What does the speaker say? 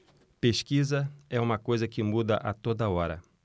pesquisa é uma coisa que muda a toda hora